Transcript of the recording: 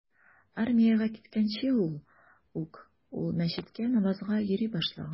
Армиягә киткәнче ук ул мәчеткә намазга йөри башлаган.